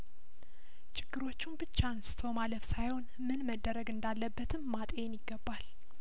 ችግሮቹን ብቻ አንስቶ ማለፍ ሳይሆንምን መደረግ እንዳለበትም ማጤን ይገባል